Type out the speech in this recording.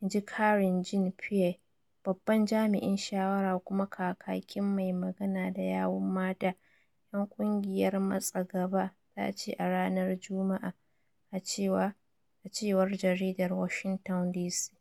in ji Karine Jean-Pierre, babban jami'in shawara kuma kakakin mai magana da yawun mata 'yan kungiyar MatsaGaba tace a ranar Jumma'a, a cewar Jaridar Washington DC.